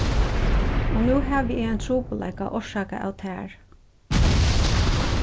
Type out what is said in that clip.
og nú havi eg ein trupulleika orsakað av tær